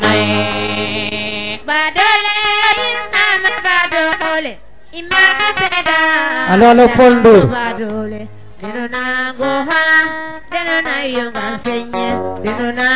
i ndoq pisale o Ndango Diarekh koy sombiind mene na leyel Sara Mboul kama pisale a Ndango Diarekh ndalfooxo mbugo mbaxtaan fa den no ku farna na qooq manaam ku farna na ax paaxke manaam axke ando naye nuun mbey utiliser ano yo no ndiing ne